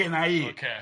genna i ocê.